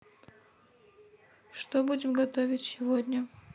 что будем готовить сегодня